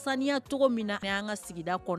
Saniyaa cogo min na ka'an ka sigida kɔnɔ